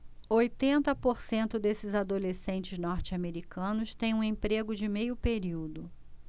oitenta por cento desses adolescentes norte-americanos têm um emprego de meio período